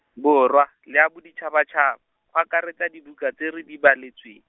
borwa, le ya bo ditshabatshaba, akaretsa dibuka tse re di baletswe.